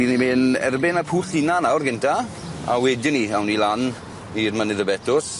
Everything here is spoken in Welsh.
By' ni'n myn' erbyn y pwll hynna nawr gynta a wedyn 'ny awn ni lan i'r mynydd y Betws.